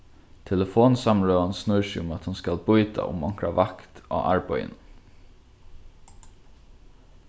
telefonsamrøðan snýr seg um at hon skal býta um onkra vakt á arbeiðinum